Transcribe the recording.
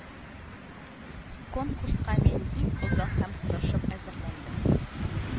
Конкурска мин бик озак һәм тырышып әзерләндем